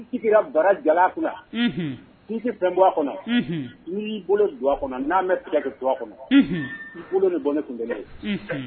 N bara ja kunwa a kɔnɔ n''i bolo du kɔnɔ'a kɔnɔ i bolo ni bɔ ne kun tɛ